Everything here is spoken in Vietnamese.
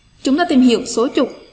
chúng nó tìm hiểu số chục